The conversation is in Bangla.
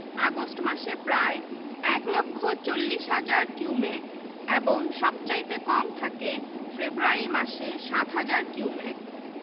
শাঁখারি স্বর্ণকার ঘরামি করাতি পাটিয়াল খনিজ সম্পদঃ প্রাকৃতিক গ্যাস কয়লা পিট চুনাপাথর কঠিন শিলা